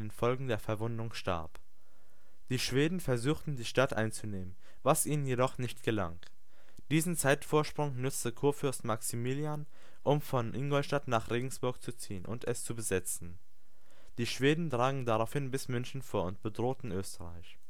Folgen der Verwundung starb. Die Schweden versuchten die Stadt einzunehmen, was ihnen jedoch nicht gelang. Diesen Zeitvorsprung nutzte Kurfürst Maximilian, um von Ingolstadt nach Regensburg zu ziehen und es zu besetzen. Die Schweden drangen daraufhin bis München vor und bedrohten Österreich. Albrecht von Wallenstein wurde auf Befehl des Kaisers 1634 in Eger ermordet In